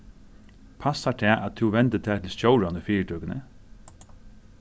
passar tað at tú vendi tær til stjóran í fyritøkuni